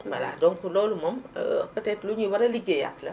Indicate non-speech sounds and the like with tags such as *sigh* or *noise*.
voilà donc loolu moom *hesitation* peut être luñuy war a liggéeyaat la